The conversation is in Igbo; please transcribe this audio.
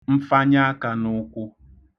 mfanyaakanụ̄kwụ̄